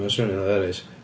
Mae o'n swnio'n hilarious.